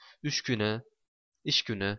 ish kuni